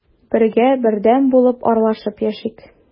Бергә, бердәм булып аралашып яшик.